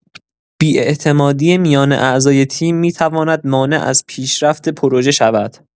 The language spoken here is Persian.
بی‌اعتمادی میان اعضای تیم می‌تواند مانع از پیشرفت پروژه شود.